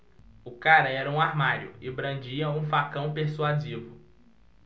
o cara era um armário e brandia um facão persuasivo